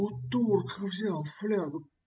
-- У турка взял флягу.